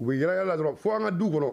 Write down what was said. U yi yalasɔrɔ fo an ka du kɔnɔ